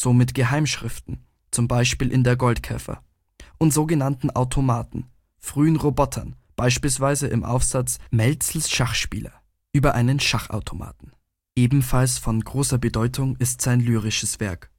mit Geheimschriften (z. B. in Der Goldkäfer) und so genannten Automaten – frühen Robotern – beispielsweise im Aufsatz Maelzels Schachspieler über einen Schachautomaten. Ebenfalls von großer Bedeutung ist sein lyrisches Werk